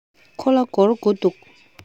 ཁོ ལ སྒོར དགུ འདུག